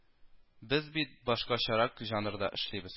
Без бит башкачарак җанрда эшлибез